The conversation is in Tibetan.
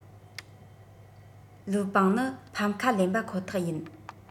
ལིའུ པང ནི ཕམ ཁ ལེན པ ཁོ ཐག ཡིན